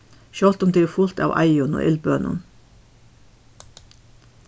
sjálvt um tað er fult av eiðum og illbønum